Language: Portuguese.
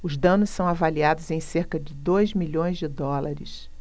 os danos são avaliados em cerca de dois milhões de dólares